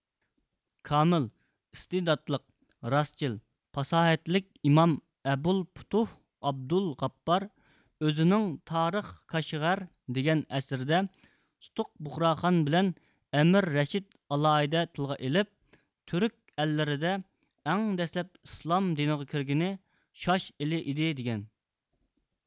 كامىل ئىستېداتلىق راستچىل پاساھەتلىك ئىمام ئەبۇل پۇتۇھ ئابدۇل غاپپار ئۆزىنىڭ تارىخى كاشىغەر دېگەن ئەسىرىدە سۇتۇق بۇغراخان بىلەن ئەمىر رەشىد ئالاھىدە تىلغا ئېلىپ تۈرك ئەللىرىدە ئەڭ دەسلەپ ئىسلام دىنىغا كىرگىنى شاش ئېلى ئىدى دېگەن